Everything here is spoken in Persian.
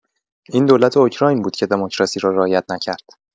این دولت اوکراین بود که دموکراسی را رعایت نکرد.